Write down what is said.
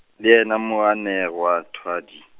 le yena moanegwathwadi.